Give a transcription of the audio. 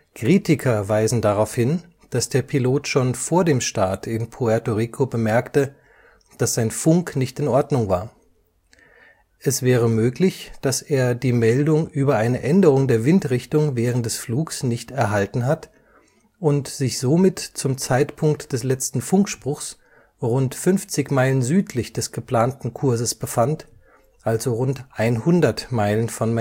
Kritiker weisen darauf hin, dass der Pilot schon vor dem Start in Puerto Rico bemerkte, dass sein Funk nicht in Ordnung war. Es wäre möglich, dass er die Meldung über eine Änderung der Windrichtung während des Flugs nicht erhalten hat und sich somit zum Zeitpunkt des letzten Funkspruchs rund 50 Meilen südlich des geplanten Kurses befand, also rund 100 Meilen von